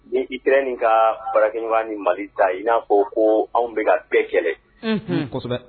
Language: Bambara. Ni i kɛra nin ka baarakɛɲɔgɔn ni mali ta i n na o ko anw bɛka ka bɛɛ kɛlɛ kosɛbɛ